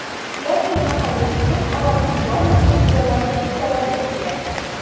Ләкин каһәрле сугыш аларның барлык уй-хыялларын челпәрәмә китерә.